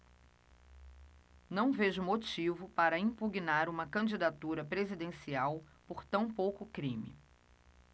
não vejo motivo para impugnar uma candidatura presidencial por tão pouco crime